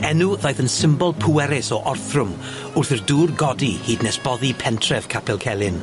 Enw ddaeth yn symbol pwerus o orthrwm wrth i'r dŵr godi hyd nes boddi pentref Capel Celyn.